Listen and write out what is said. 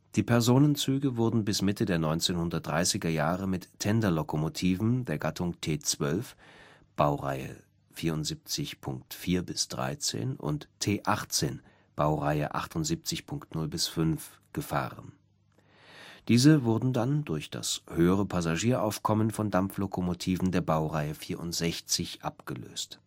Die Personenzüge wurden bis Mitte der 1930er Jahre mit Tenderlokomotiven der Gattungen T 12 (Baureihe 74.4 – 13) und T 18 (Baureihe 78.0 – 5) gefahren. Diese wurden dann durch das höhere Passagieraufkommen von Dampflokomotiven der Baureihe 64 abgelöst